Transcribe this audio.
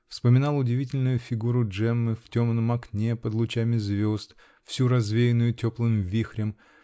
Вспоминал удивительную фигуру Джеммы, в темном окне, под лучами звезд, всю развеянную теплым вихрем